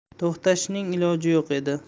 to'xtashning iloji yo'q edi